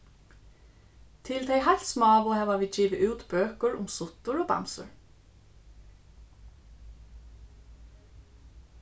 til tey heilt smáu hava vit givið út bøkur um suttur og bamsur